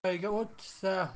to'qayga o't tushsa